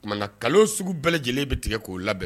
Kuma na nkalon sugu bɛɛ lajɛlen bɛ tigɛ k'o labɛn